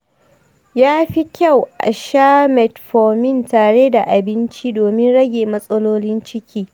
yafi kyau a sha metformin tare da abinci domin rage matsalolin ciki.